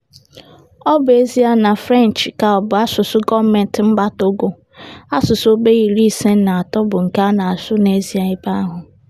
Ọ bụ ezie na French ka bụ asụsụ gọọmentị mba Togo, asụsụ ogbe 53 bụ nke a na-asụ n'ezie ebe ahụ.